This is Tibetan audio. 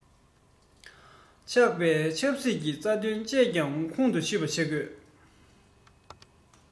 ཆགས པའི ཆབ སྲིད ཀྱི རྩ དོན བཅས ཀྱང ཁོང དུ ཆུད པ བྱེད དགོས